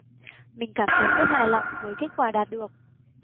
mình cảm thấy rất hài lòng với kết quả đạt được